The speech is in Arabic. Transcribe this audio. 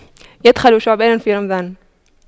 يُدْخِلُ شعبان في رمضان